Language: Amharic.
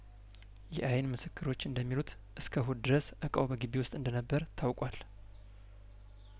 የአይን ምስክሮች እንደሚሉት እስከ እሁድ ድረስ እቃው በግቢ ውስጥ እንደነበር ታውቋል